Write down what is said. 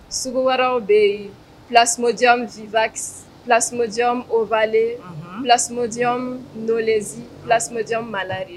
Suguwaraww bɛ yen filas tasumajan v fila tasumaumandi obalen filasdi n'olenz la tasumaumanj malire